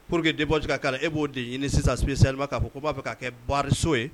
Pur que de bɔ kan e b'o ɲini sisan sa'a fɔ ko b'a fɛ ka kɛ baaraso ye